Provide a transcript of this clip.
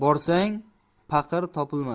bor borsang paqir topilmas